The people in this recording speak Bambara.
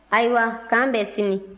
ayiwa k'an bɛn sini